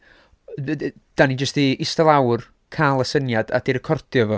d- d- dan ni jyst 'di eistedd lawr, cael y syniad a 'di recordio fo.